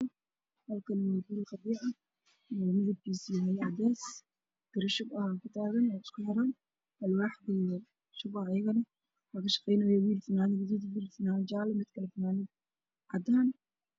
Halkaan waa guri qabyo ah midabkiisu waa cadeys, biro shuba agyaalo iyo alwaax kub ah, waxaa kashaqeynaayo wiil fanaanad gaduud wato iyo mid kaloo fanaanad jaale, mid kaloo fanaanad cadaan.